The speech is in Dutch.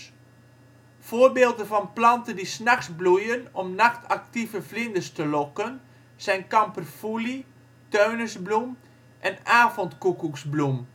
Voorbeelden van planten die ' s nachts bloeien om nachtactieve vlinders te lokken zijn kamperfoelie, teunisbloem en avondkoekoeksbloem